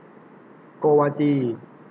โกวาจี